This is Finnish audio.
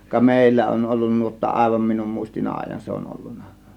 ka meillä on ollut nuotta aivan minun muistin ajan se on ollut